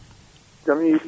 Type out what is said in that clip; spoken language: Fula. jaam hiiri